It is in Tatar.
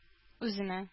Үзенә